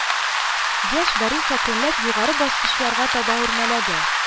Яшь Борис әкренләп югары баскычларга таба үрмәләде